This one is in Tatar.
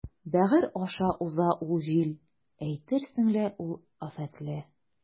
Бәгырь аша уза ул җил, әйтерсең лә ул афәтле.